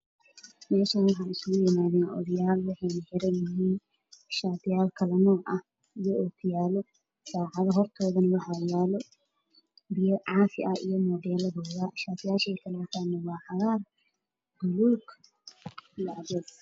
Meshan waxaa iskugu imaday odayaal waxeyna xiranyihiin shaatiyaal kala nooc ah okiyaalo saacado hortodana waxaa yalo biyo caafi ah mobelahoda shatiyasha ay kala wtaana wa cagaar bulug iyo cadeys